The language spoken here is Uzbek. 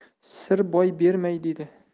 sir boy bermay dedi